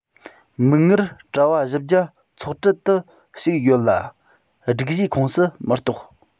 མིག སྔར གྲྭ བ བཞི བརྒྱ ཚོགས གྲལ དུ ཞུགས ཡོད ལ སྒྲིག གཞིའི ཁོངས སུ མི གཏོགས